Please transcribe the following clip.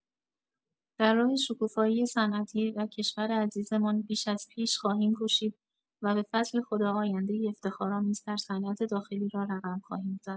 در راه شکوفایی صنعتی و کشور عزیزمان بیش از پیش خواهیم کوشید و به فضل خدا آینده‌ای افتخارآمیز در صنعت داخلی را رقم خواهیم زد.